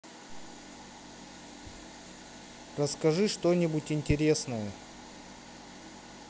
расскажи что нибудь интересное